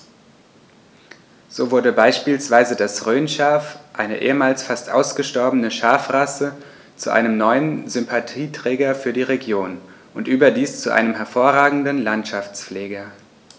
So wurde beispielsweise das Rhönschaf, eine ehemals fast ausgestorbene Schafrasse, zu einem neuen Sympathieträger für die Region – und überdies zu einem hervorragenden Landschaftspfleger.